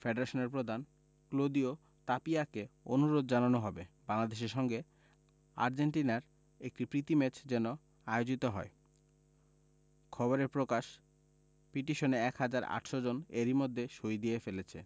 ফেডারেশনের প্রধান ক্লদিও তাপিয়াকে অনুরোধ জানানো হবে বাংলাদেশের সঙ্গে আর্জেন্টিনার একটি প্রীতি ম্যাচ যেন আয়োজিত হয় খবরে প্রকাশ পিটিশনে ১ হাজার ৮০০ জন এরই মধ্যে সই দিয়ে ফেলেছেন